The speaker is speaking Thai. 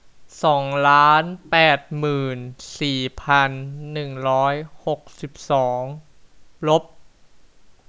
สองล้านแปดหมื่นสี่พันหนึ่งร้อยหกสิบสองลบ